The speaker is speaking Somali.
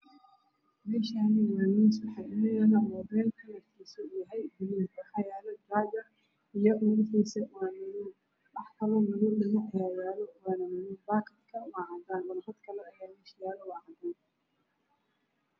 Meeshaani waa miis waxaa yaalo muubeel madow ah iyo jaajar iyo dhagihiisa waa madow. Baakadka waa cadaan warqada waa cadaan.